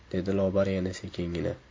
dedi lobar yana sekingina